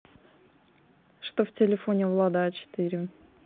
что в телефоне влада а четыре